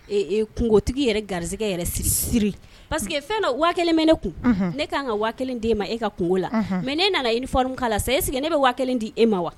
Ee kuntigi yɛrɛ garigɛ yɛrɛ siri siri paseke fɛn dɔ wa kelen bɛ ne kun ne k'an ka wa kelen di e ma e ka kungo la mɛ ne nana i fɔ' la sa e sigi ne bɛ wa kelen di e ma wa